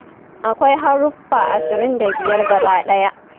Akwai haruffa 25 gabaɗaya.